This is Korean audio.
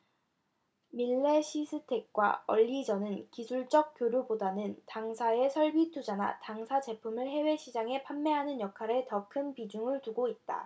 밀레시스텍과 얼리젼은 기술적 교류 보다는 당사에 설비 투자나 당사 제품을 해외시장에 판매하는 역할에 더 큰 비중을 두고 있다